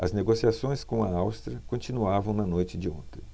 as negociações com a áustria continuavam na noite de ontem